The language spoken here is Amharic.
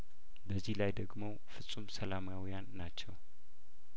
በዚህ ላይ ደግሞ ፍጹም ሰላማዊያን ናቸው